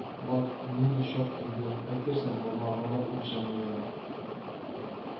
Бак, нинди чак килде, әйтерсең бармагыма үлчәнгән